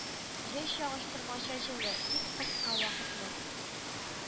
Җәй чагыштырмача җылы, тик кыска вакытлы